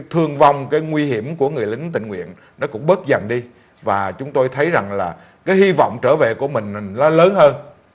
thương vong cái nguy hiểm của người lính tình nguyện nó cũng bớt dần đi và chúng tôi thấy rằng là cái hy vọng trở về của mình là lớn hơn